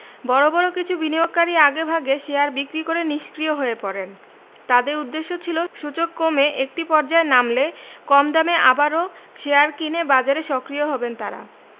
বড় বড় কিছু বিনিয়োগকারী আগেভাগে শেয়ার বিক্রি করে নিষ্ক্রিয় হয়ে পড়েন তাঁদের উদ্দেশ্য ছিল সূচক কমে একটি পর্যায়ে নামলে কম দামে আবারও শেয়ার কিনে বাজারে সক্রিয় হবেন তাঁরা